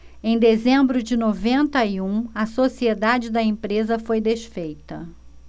em dezembro de noventa e um a sociedade da empresa foi desfeita